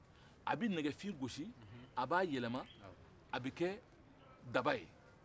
a bɛ nɛgɛfin gosi a b'a yɛlɛma a bɛ kɛ daba ye